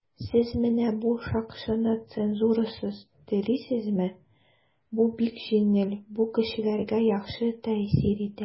"сез менә бу шакшыны цензурасыз телисезме?" - бу бик җиңел, бу кешеләргә яхшы тәэсир итә.